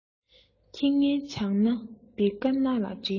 ཁྱི ངན བྱང ན བེར ཀ སྣ ལ བཀྲི